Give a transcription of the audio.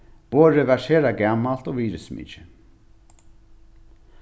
borðið var sera gamalt og virðismikið